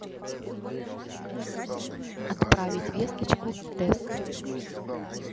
отправить весточку тест